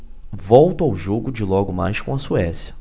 volto ao jogo de logo mais com a suécia